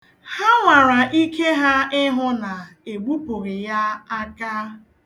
Ha nwara ike ha ịhụ na egbupụghị ya aka.